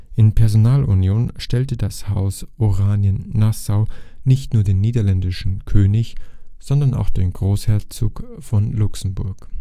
In Personalunion stellte das Haus Oranien-Nassau nicht nur den niederländischen König, sondern auch den Großherzog von Luxemburg